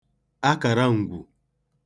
akàraǹgwù